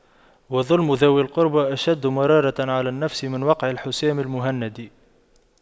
وَظُلْمُ ذوي القربى أشد مرارة على النفس من وقع الحسام المهند